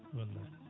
wallay